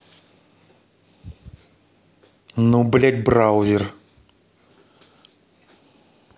ну блядь браузер